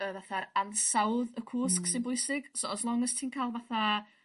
y fatha'r ansawdd y cwsg... Hmm. ...sy'n bwysig so as long as ti'n ca'l fatha